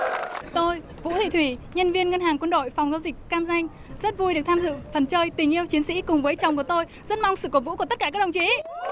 tôi vũ thị thủy nhân viên ngân hàng quân đội phòng giao dịch cam ranh rất vui được tham dự phần chơi tình yêu chiến sĩ cùng với chồng của tôi rất mong sự cổ vũ của tất cả các đồng chí